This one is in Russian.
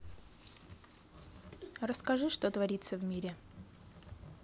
расскажи что творится в мире